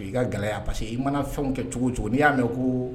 I ka gɛlɛyaya parce i mana fɛnw kɛ cogo cogo n'i y'a mɛn ko